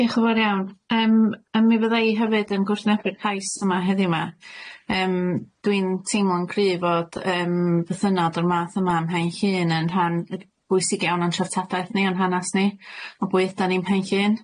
Diolch yn fawr iawn, yym yy mi fydda'i hefyd yn gwrthwynebu'r cais yma heddiw'ma yym dwi'n teimlo'n cryf fod yym bythynnod o'r math yma ym Mhen llŷn yn rhan yy bwysig iawn o'n traftadaeth ni, o'n hanas ni, o bwy ydan ni'n Mhen llŷn.